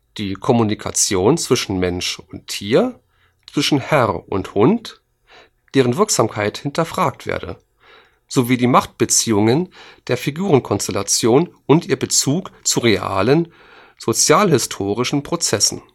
die Kommunikation zwischen Mensch und Tier, zwischen Herr und Hund, deren Wirksamkeit hinterfragt werde, sowie die Machtbeziehungen der Figurenkonstellation und ihr Bezug zu realen soziohistorischen Prozessen